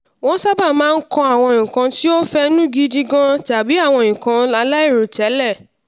Wọ́n sábà máa ń kọ́ àwọn nǹkan tí ó fẹnú gidi gan tàbí àwọn nǹkan aláìròtẹ́lẹ̀.